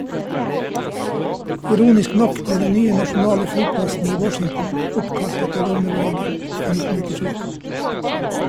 Ironisk nok ble den nye nasjonale flyplassen i Washington oppkalt etter Ronald Reagan i 1997.